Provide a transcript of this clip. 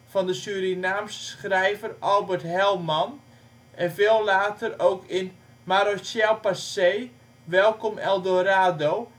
van de Surinaamse schrijver Albert Helman en veel later ook in Ma Rochelle Passée, Welkom El Dorado